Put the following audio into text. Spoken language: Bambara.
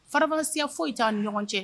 Faramasasiya foyi' ɲɔgɔn cɛ